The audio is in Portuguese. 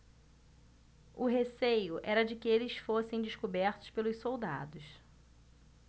o receio era de que eles fossem descobertos pelos soldados